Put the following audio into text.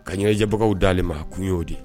Ka ɲɛjɛbagaw dalenale ma kun y'o di